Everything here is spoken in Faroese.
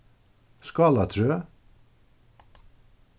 skálatrøð